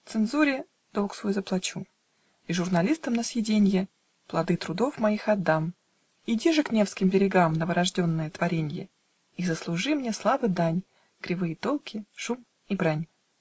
Цензуре долг свой заплачу И журналистам на съеденье Плоды трудов моих отдам: Иди же к невским берегам, Новорожденное творенье, И заслужи мне славы дань: Кривые толки, шум и брань!